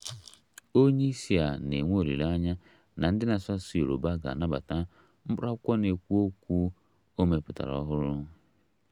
Onyeisi a na-enwe olileanya na ndị na-asụ asụsụ Yorùbá ga-anabata 'mkpụrụ akwụkwọ na-ekwu okwu' ọ mepụtara ọhụrụ